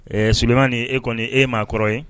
Ɛɛ sulimaman ni e kɔni e ma kɔrɔ ye